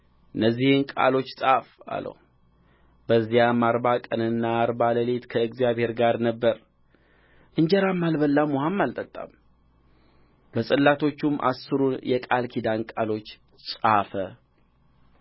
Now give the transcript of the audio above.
እነዚህን ቃሎች ጻፍ አለው በዚያም አርባ ቀንና አርባ ሌሊት ከእግዚአብሔር ጋር ነበረ እንጀራም አልበላም ውኃም አልጠጣም በጽላቶቹም አሥሩን የቃል ኪዳን ቃሎች ጻፈ